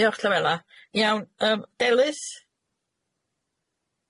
Diolch Llywela. Iawn yym Delys?